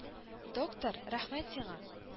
Доктор, рәхмәт сиңа